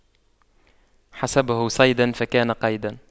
حسبه صيدا فكان قيدا